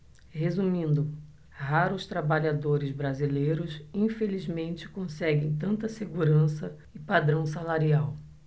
resumindo raros trabalhadores brasileiros infelizmente conseguem tanta segurança e padrão salarial